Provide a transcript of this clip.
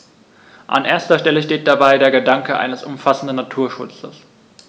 An erster Stelle steht dabei der Gedanke eines umfassenden Naturschutzes.